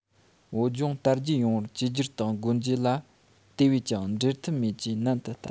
བོད ལྗོངས དར རྒྱས ཡོང བར བཅོས སྒྱུར དང སྒོ འབྱེད ལ དེ བས ཀྱང འབྲལ ཐབས མེད ཅེས ནན དུ བསྟན